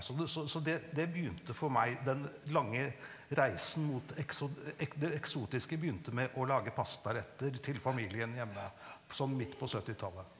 så det så så det det begynte for meg den lange reisen mot det eksotiske begynte med å lage pastaretter til familien hjemme sånn midt på syttitallet.